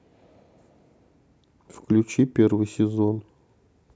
включи первый сезон